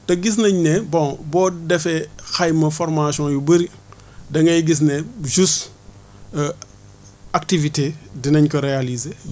te gis nañu ne bon boo defee xayma formation yu bëri da ngay gis ne juste activité dinañ ko réaliser